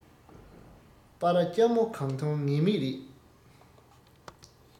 སྤ ར ལྕ མོ གང ཐོན ངེས མེད རེད